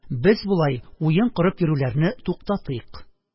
Без болай уен корып йөрүләрне туктатыйк